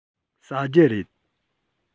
ཟ རྒྱུ རེད